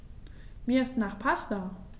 Mir ist nach Pasta.